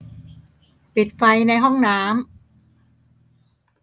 ปิดไฟในห้องน้ำ